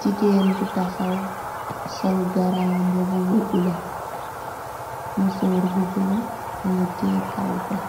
Jigéen bu tahaw sol garambubu bu bulo, musoor gu bulo mungi tè kalpeh,